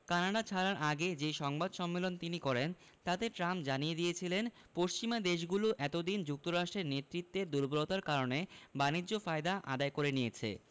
Canada ছাড়ার আগে যে সংবাদ সম্মেলন তিনি করেন তাতে ট্রাম্প জানিয়ে দিয়েছিলেন পশ্চিমা দেশগুলো এত দিন যুক্তরাষ্ট্রের নেতৃত্বের দুর্বলতার কারণে বাণিজ্য ফায়দা আদায় করে নিয়েছে